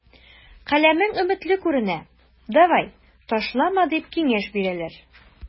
Каләмең өметле күренә, давай, ташлама, дип киңәш бирәләр.